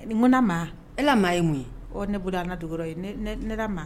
N ko na maa, nko ne bɔra an ka dugu la. E la maa ye mun ye? Ne bɔra an ka dugu la yen , n ko ne, ne la maa